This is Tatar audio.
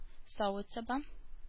Савыт-саба